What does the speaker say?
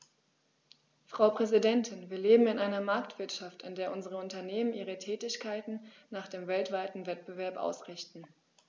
Frau Präsidentin, wir leben in einer Marktwirtschaft, in der unsere Unternehmen ihre Tätigkeiten nach dem weltweiten Wettbewerb ausrichten.